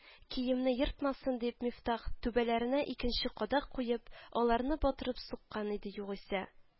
Киемне ертмасын дип, Мифтах, түбәләренә икенче кадак куеп, аларны батырып суккан иде югыйсә